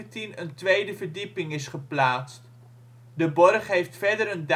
tweede verdieping is geplaatst. De borg heeft verder